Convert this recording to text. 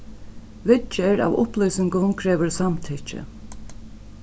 viðgerð av upplýsingum krevur samtykki